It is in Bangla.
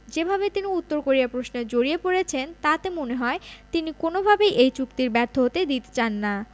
যেভাবে তিনি উত্তর কোরিয়া প্রশ্নে জড়িয়ে পড়েছেন তাতে মনে হয় তিনি কোনোভাবেই এই চুক্তি ব্যর্থ হতে দিতে চান না